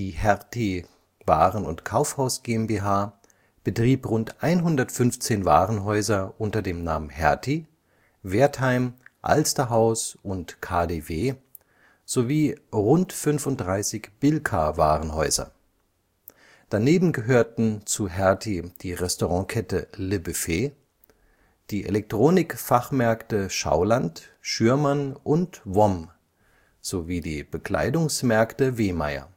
Hertie Waren - und Kaufhaus GmbH betrieb rund 115 Warenhäuser unter den Namen Hertie, Wertheim, Alsterhaus und KaDeWe sowie rund 35 Bilka-Warenhäuser. Daneben gehörten zu Hertie die Restaurant-Kette LeBuffet, die Elektronik-Fachmärkte Schaulandt, Schürmann und WOM (World of Music) sowie die Bekleidungs-Märkte Wehmeyer